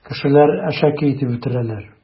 Кешеләр әшәке итеп үтерәләр.